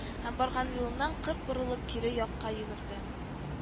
Һәм барган юлыннан кырт борылып кире якка йөгерде